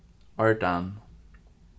ordan